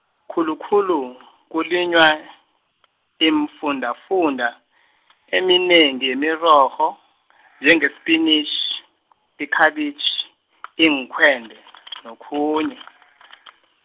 khulukhulu , kulinywa, iimfundafunda, eminengi yemirorho, njengesipinitjhi, ikhabitjhi, iinkhwende, nokunye .